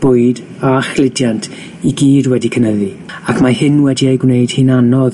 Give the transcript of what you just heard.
bwyd a chludiant i gyd wedi cynyddu, ac mae hyn wedi ei gwneud hi'n anodd